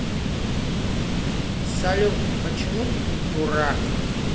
салют почему ты дурак